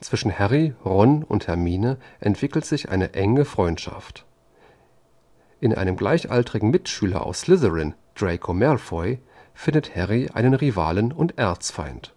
Zwischen Harry, Ron und Hermine entwickelt sich eine enge Freundschaft. In einem gleichaltrigen Mitschüler aus Slytherin, Draco Malfoy, findet Harry einen Rivalen und Erzfeind.